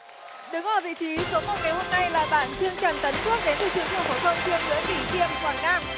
đứng ở vị trí số một ngày hôm nay là bạn trương trần tấn phước đến từ trường trung học phổ thông chuyên nguyễn bỉnh khiêm quảng nam